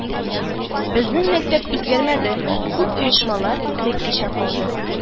Безнең мәктәп үзгәрмәде, күп оешмалар элеккечә калды